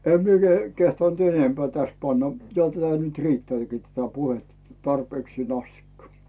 en minä - kehdannut enempää tässä panna jo tätä nyt riittääkin tätä puhetta tarpeeksi asti